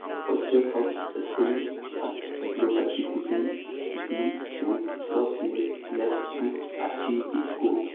But just how successful has Global Citizen been with 12 years left to achieve its goal?